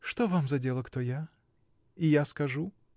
— Что вам за дело, кто я, — и я скажу?